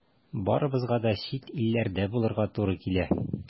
Барыбызга да чит илләрдә булырга туры килә.